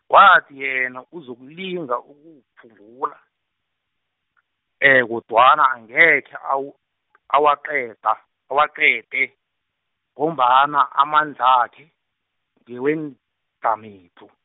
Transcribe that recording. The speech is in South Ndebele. wathi yena uzokulinga ukuwuphungula , kodwana angekhe awu , awaqeda awaqede, ngombana amandlakhe, ngewedlhamedlhu.